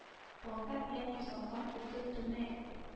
Балта белән ясалган утын түмәре